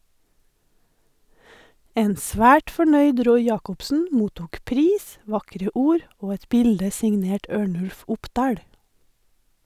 En svært fornøyd Roy Jacobsen mottok pris, vakre ord og et bilde signert Ørnulf Opdahl.